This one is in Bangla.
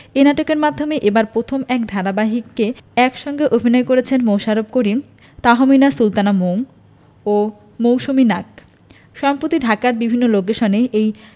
এ নাটকের মাধ্যমেই এবারই প্রথম এক ধারাবাহিকে একসঙ্গে অভিনয় করছেন মোশাররফ করিম তাহমিনা সুলতানা মৌ ও মৌসুমী নাগ সম্প্রতি ঢাকার বিভিন্ন লোকেশনে এ